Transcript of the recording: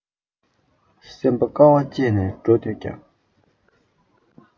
སེམས པ དཀའ བ སྤྱད ནས འགྲོ འདོད ཀྱང